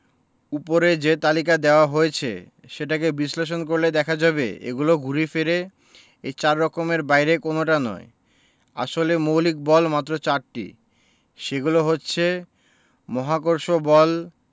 ওপরে যে তালিকা দেওয়া হয়েছে সেগুলোকে বিশ্লেষণ করা হলে দেখা যাবে এগুলো ঘুরে ফিরে এই চার রকমের বাইরে কোনোটা নয় আসলে মৌলিক বল মাত্র চারটি সেগুলো হচ্ছে মহাকর্ষ বল